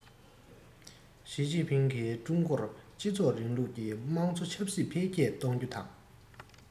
ཞིས ཅིན ཕིང གིས ཀྲུང གོར སྤྱི ཚོགས རིང ལུགས ཀྱི དམངས གཙོ ཆབ སྲིད འཕེལ རྒྱས གཏོང རྒྱུ དང